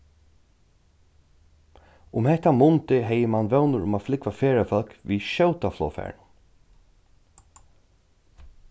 um hetta mundið hevði mann vónir um at flúgva ferðafólk við skjóta flogfarinum